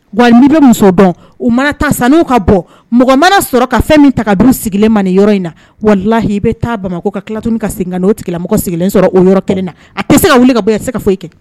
Wa n' bɛ muso dɔn u mana ta sanu' ka bɔ mɔgɔ mana sɔrɔ ka fɛn min ta du sigilen man yɔrɔ in na walahi ii bɛ taa bamakɔ ka tilalat ka sen omɔgɔ sigilen sɔrɔ o na a tɛ se ka wuli ka bɔ a se ka foyi kɛ